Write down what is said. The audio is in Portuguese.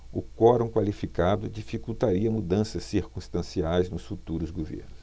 o quorum qualificado dificultaria mudanças circunstanciais nos futuros governos